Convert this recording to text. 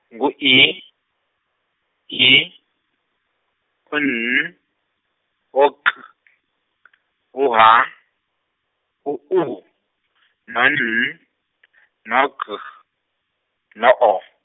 ngu I, I, u- N, o- K , u- H, u- U, no N, no G, no O.